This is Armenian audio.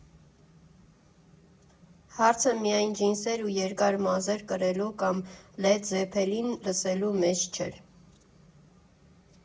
Հարցը միայն ջինսեր ու երկար մազեր կրելու, կամ Լեդ Զեփելին լսելու մեջ չէր։